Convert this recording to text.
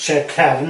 sef cefn yr oen.